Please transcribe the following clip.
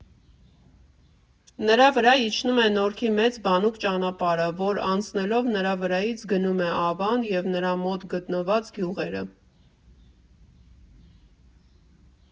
Նրա վրա իջնում է Նորքի մեծ բանուկ ճանապարհը, որ անցնելով նրա վրայից, գնում է Ավան և նրա մոտ գտնված գյուղերը։